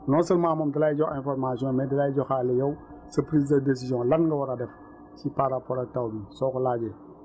non seulement moom dalay jox information mais dalay joxaale yow sa prise de décision lan nga war a def si par rapport ak taw bi soo ko laajee